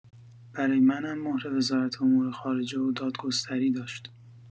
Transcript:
برای منم مهر وزارت امور خارجه و دادگستری داشت.